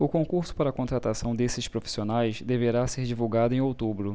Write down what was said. o concurso para contratação desses profissionais deverá ser divulgado em outubro